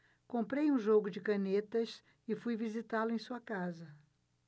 comprei um jogo de canetas e fui visitá-lo em sua casa